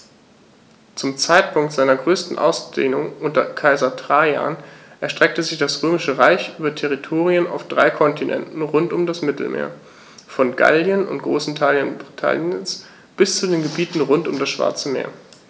Zum Zeitpunkt seiner größten Ausdehnung unter Kaiser Trajan erstreckte sich das Römische Reich über Territorien auf drei Kontinenten rund um das Mittelmeer: Von Gallien und großen Teilen Britanniens bis zu den Gebieten rund um das Schwarze Meer.